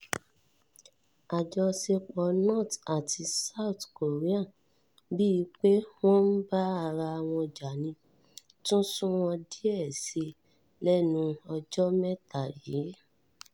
Àjọṣẹpọ̀ North àti South Korea – bíi pé wọ́n ń bá ara wọn jà ni – tún sunwọ̀n díẹ̀ si lẹ́nu ọjọ́ mẹ́ta yìí.